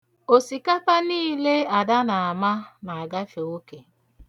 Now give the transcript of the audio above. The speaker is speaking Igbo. Osikapa niile Ada na-ama na-agafe oke.